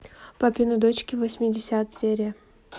папины дочки восемьдесят серия